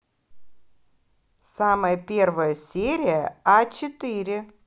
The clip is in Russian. самая первая серия а четыре